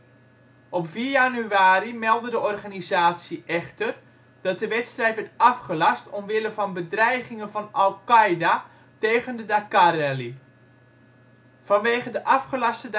Op 4 januari meldde de organisatie echter dat de wedstrijd werd afgelast omwille van bedreigingen van Al-Qaida tegen de Dakar-rally. Vanwege de afgelaste